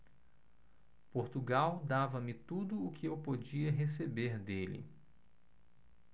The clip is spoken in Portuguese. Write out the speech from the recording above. portugal dava-me tudo o que eu podia receber dele